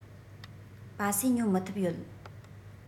སྤ སེ ཉོ མི ཐུབ ཡོད